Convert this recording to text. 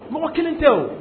Mɔgɔ kelen tɛ wo.